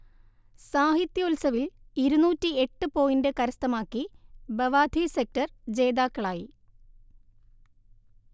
സാഹിത്യോല്സവിൽ ഇരുന്നൂറ്റി എട്ടു പോയിന്റ് കരസ്ഥമാക്കി ബവാധി സെക്ടർ ജേതാക്കളായി